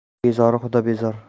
ota bezori xudo bezori